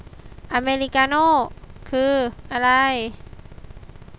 อเมริกาโน่คืออะไร